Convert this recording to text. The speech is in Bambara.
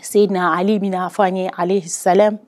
Se na ale bɛna fɔ' ye ale sa